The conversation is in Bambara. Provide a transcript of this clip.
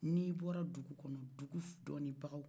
n'i bɔra dugu kɔnɔ dugu dɔnni bagaw